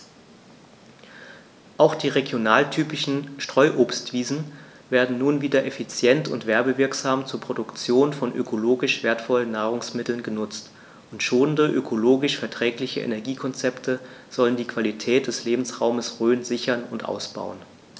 Auch die regionaltypischen Streuobstwiesen werden nun wieder effizient und werbewirksam zur Produktion von ökologisch wertvollen Nahrungsmitteln genutzt, und schonende, ökologisch verträgliche Energiekonzepte sollen die Qualität des Lebensraumes Rhön sichern und ausbauen.